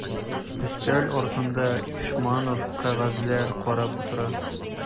Өстәл артында Ишманов кәгазьләр карап утыра.